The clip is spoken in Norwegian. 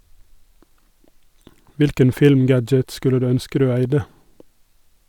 Hvilken film-gadget skulle du ønske du eide?